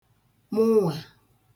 mụnwà